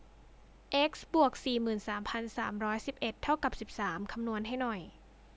เอ็กซ์บวกสี่หมื่นสามพันสามร้อยสิบเอ็ดเท่ากับสิบสามคำนวณให้หน่อย